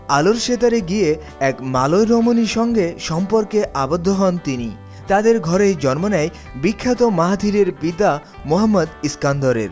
আলোর সেতারে গিয়ে এক মালয় রমনীর সঙ্গে সম্পর্কে আবদ্ধ হন তিনি তাদের ঘরেই জন্ম নেয় বিখ্যাত মাহাথিরের পিতা মোহাম্মদ ইস্কন্দর এর